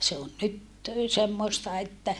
se on nyt semmoista että